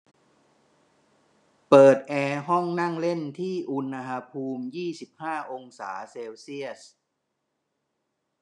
เปิดแอร์ห้องนั่งเล่นที่อุณหภูมิยี่สิบห้าองศาเซลเซียส